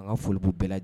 An ka foli bɛɛ